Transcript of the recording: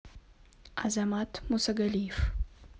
азамат мусагалиев